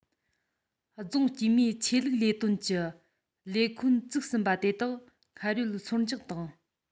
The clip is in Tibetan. རྫོང དཀྱུས མའི ཆོས ལུགས ལས དོན གྱི ལས ཁུངས བཙུགས ཟིན པ དེ དག སྔར ཡོད སོར འཇོག དང